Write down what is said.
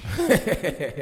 Ɛɛ